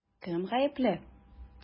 Кем гаепле?